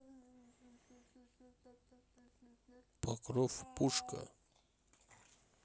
покров пушка